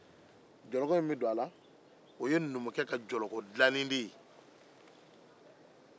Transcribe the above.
jɔlɔkɔ min bɛ don a la o ye numukɛ ka jɔlɔkɔ dilalen d eye